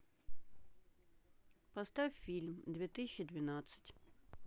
поставь фильм две тысячи двенадцать